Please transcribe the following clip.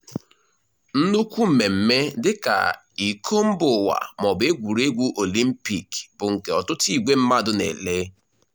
Nnukwu mmemme dị ka Iko Mbaụwa maọbụ Egwuregwu Olimpiki bụ nke ọtụtụ ìgwè mmadụ na-elele.